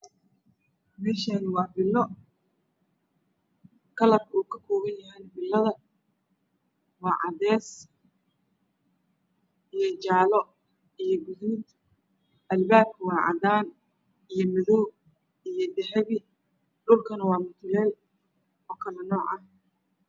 Meshani waa filo midabkeedu ka kooban yahay filada waa cadess iyo jalo iyo gaduud albaabku waa cadan iyo madoow iyo dahabi dhulkana waa mutuleel oo kala nuuca